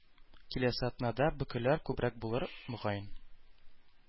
Киләсе атнада бөкеләр күбрәк булыр, мөгаен.